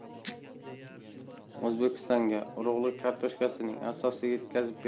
o'zbekistonga urug'lik kartoshkasining asosiy yetkazib